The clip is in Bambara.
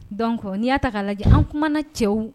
Don n'i y'a ta k' lajɛ an kumaumana cɛw